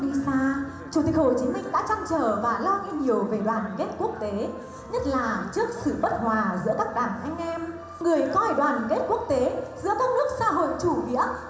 đi xa chủ tịch hồ chí minh đã trăn trở và lo nghĩ nhiều về đoàn kết quốc tế nhất là trước sự bất hòa giữa các đảng anh em người coi đoàn kết quốc tế giữa các nước xã hội chủ nghĩa